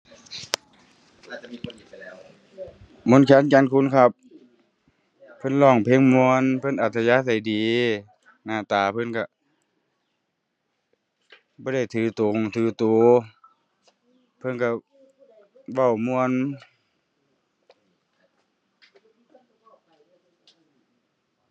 มนต์แคน แก่นคูนครับ เพิ่นร้องเพลงม่วน เพิ่นอัธยาศัยดี หน้าตาเพิ่นก็ บ่ได้ถือตงถือก็ เพิ่นก็เว้าม่วน